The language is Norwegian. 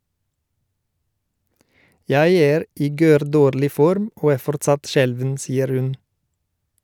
- Jeg er i gørrdårlig form og er fortsatt skjelven, sier hun.